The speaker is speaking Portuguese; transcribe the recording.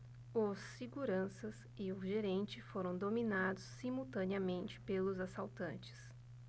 os seguranças e o gerente foram dominados simultaneamente pelos assaltantes